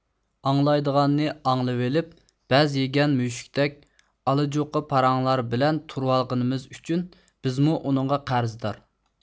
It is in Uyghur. ئاڭلايدىغاننى ئاڭلىۋېلىپ بەز يېگەن مۈشۈكتەك ئالىجوقا پاراڭلار بىلەن تۇرۇۋالغىنىمىز ئۈچۈن بىزمۇ ئۇنىڭغا قەرزدار